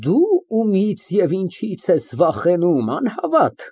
Դո՞ւ ումից և ինչից ես վախենում, անհավատ։